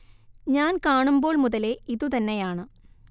ഞാൻ കാണുമ്പോൾ മുതലേ ഇതു തന്നെയാണ്